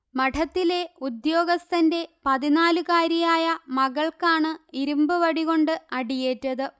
മഠത്തിലെ ഉദ്യോഗസ്ഥന്റെ പതിനാലുകാരിയായ മകൾക്കാണ് ഇരുമ്പുവടി കൊണ്ട് അടിയേറ്റത്